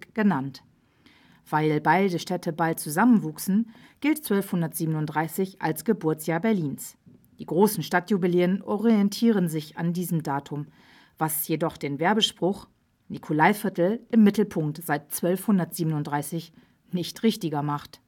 genannt. Weil beide Städte bald zusammenwuchsen, gilt 1237 als Geburtsjahr Berlins, die großen Stadtjubiläen orientieren sich an diesem Datum, was jedoch den Werbespruch „ Nikolaiviertel – im Mittelpunkt seit 1237 “nicht richtiger macht